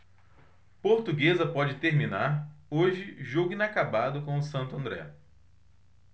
portuguesa pode terminar hoje jogo inacabado com o santo andré